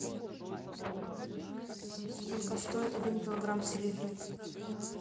сколько стоит один килограмм селитры